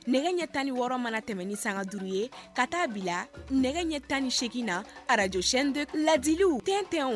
Nɛgɛ ɲɛ tan ni wɔɔrɔ mana tɛmɛn ni sanga duuruuru ye ka taa' a bila nɛgɛ ɲɛ tan ni8egin na arajoc lajliw nt tɛɛnw